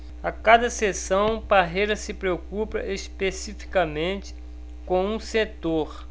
a cada sessão parreira se preocupa especificamente com um setor